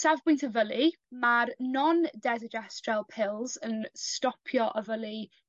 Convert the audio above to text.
safbwynt ofylu ma'r non desodestrel pills yn stopio ofylu